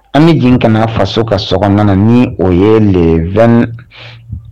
An bi jigin ka na faso ka sokɔnɔna la ni o ye le 20